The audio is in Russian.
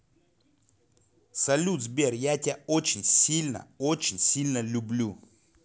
салют сбер я тебя очень сильно очень сильно люблю